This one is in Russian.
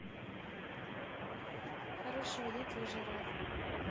хорошо я тоже рад